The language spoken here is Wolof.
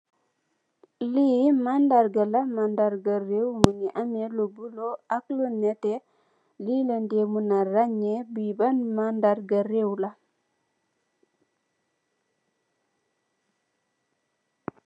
Li mandarga la mandarga bi mongi ame lu bulu ak lu nete li len deey muna ranyee li ban ln mandarga reew la.